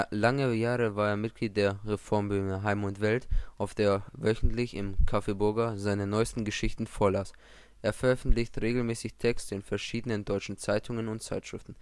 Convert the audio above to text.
Lange Jahre war er Mitglied der „ Reformbühne Heim & Welt “, auf der er wöchentlich im Kaffee Burger seine neuesten Geschichten vorlas. Er veröffentlicht regelmäßig Texte in verschiedenen deutschen Zeitungen und Zeitschriften